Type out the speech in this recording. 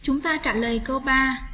chúng ta trả lời câu